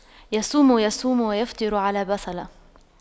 يصوم يصوم ويفطر على بصلة